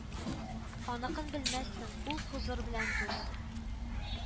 Аныкын белмәссең, ул Хозыр белән дус